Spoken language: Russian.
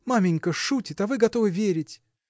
– Маменька шутит, а вы готовы верить!